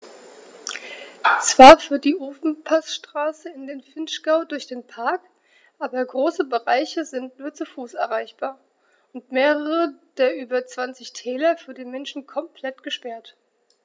Zwar führt die Ofenpassstraße in den Vinschgau durch den Park, aber große Bereiche sind nur zu Fuß erreichbar und mehrere der über 20 Täler für den Menschen komplett gesperrt.